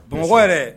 Mɔgɔ yɛrɛ